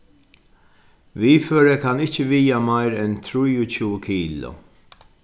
viðførið kann ikki viga meir enn trýogtjúgu kilo